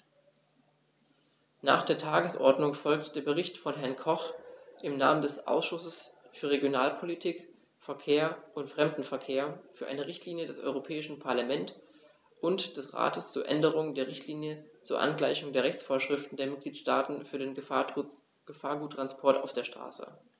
Nach der Tagesordnung folgt der Bericht von Herrn Koch im Namen des Ausschusses für Regionalpolitik, Verkehr und Fremdenverkehr für eine Richtlinie des Europäischen Parlament und des Rates zur Änderung der Richtlinie zur Angleichung der Rechtsvorschriften der Mitgliedstaaten für den Gefahrguttransport auf der Straße.